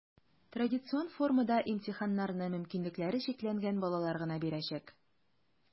Традицион формада имтиханнарны мөмкинлекләре чикләнгән балалар гына бирәчәк.